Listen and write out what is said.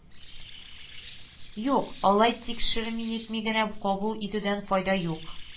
Юк, алай тикшерми-нитми генә кабул итүдән файда юк